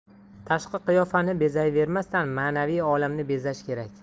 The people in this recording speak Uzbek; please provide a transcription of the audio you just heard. tashqi qiyofani bezayvermasdan ma'naviy olamni bezash kerak